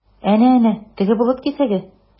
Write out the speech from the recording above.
Әнә-әнә, теге болыт кисәге?